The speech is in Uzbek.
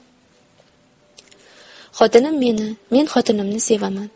xotinim meni men xotinimni sevaman